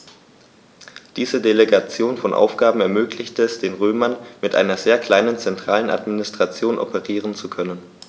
Diese Delegation von Aufgaben ermöglichte es den Römern, mit einer sehr kleinen zentralen Administration operieren zu können.